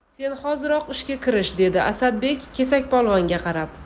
sen hoziroq ishga kirish dedi asadbek kesakpolvonga qarab